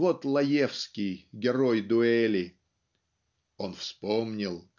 Вот - Лаевский, герой "Дуэли". "Он вспомнил